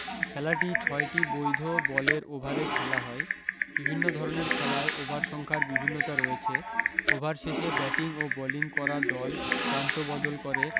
খেলাটি ছয়টি বৈধ বলের ওভারে খেলা হয় বিভিন্ন ধরণের খেলায় ওভারসংখ্যার বিভিন্নতা রয়েছে ওভার শেষে ব্যাটিং ও বোলিং করা দল প্রান্ত বদল করে